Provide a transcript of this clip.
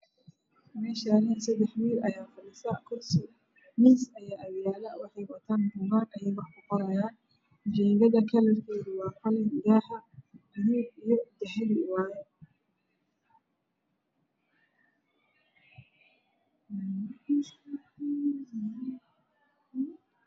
Meeshaan seddex wiil ayaa fadhisa kursi ayay kufadhiyaan miis ayaa agyaalo waxay wataan buugaag ay wax kuqorahayaan. Jiingada kalarkeedu waa qalin, daaha waa buluug iyo dahabi.